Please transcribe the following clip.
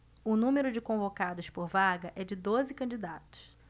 o número de convocados por vaga é de doze candidatos